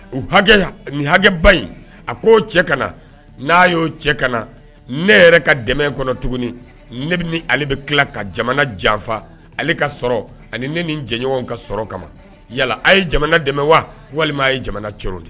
U nin hakɛba in a k oo cɛ ka n'a y'o cɛ ka ne yɛrɛ ka dɛmɛ kɔnɔ tuguni ne bɛ ale bɛ tila ka jamana janfa ale ka sɔrɔ ani ne ni jɛɲɔgɔn ka sɔrɔ kama yala a ye jamana dɛmɛ wa walima a ye jamana de